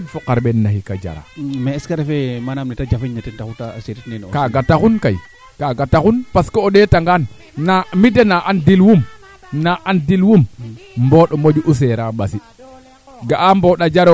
a cilaxa xeene ax keene o ne'a meteo leyaange ye roog fee manaam xana teelo gam ren ndaa teelke simid yaam xana ret boo ngoo no xonda noox ngool octobre